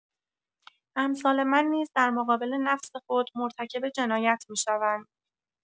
امثال من نیز در مقابل نفس خود مرتکب جنایت می‌شوند.